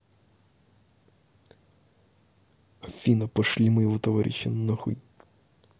афина пошли моего товарища нахуй